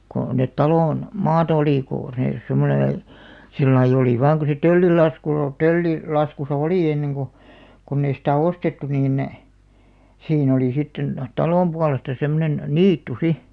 kun ne talon maata oli kun ne semmoinen sillä lailla oli vain kun se töllin laskulla -- töllilaskussa oli ennen kun kun ei sitä ostettu niin siinä oli sitten talon puolesta semmoinen niitty sitten